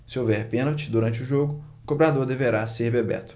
se houver pênalti durante o jogo o cobrador deverá ser bebeto